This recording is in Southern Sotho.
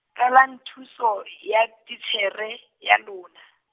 qelang thuso , ya titjhere, ya lona.